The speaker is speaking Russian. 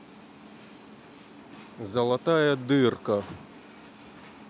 золотая дырка